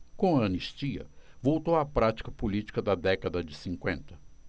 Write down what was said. com a anistia voltou a prática política da década de cinquenta